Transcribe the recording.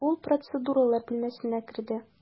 Ул процедуралар бүлмәсенә керде.